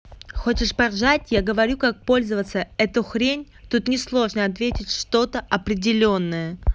хочешь поржать я говорю как пользоваться эту хрень тут не сложно ответить что то определенное